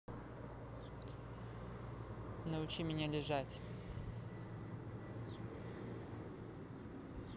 научи меня лежать